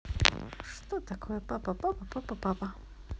что такое папа папа папа папа